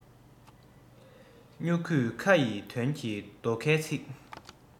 སྨྱུ གུའི ཁ ཡི དོན གྱི རྡོ ཁའི ཚིག